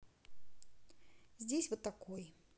здесь вот такой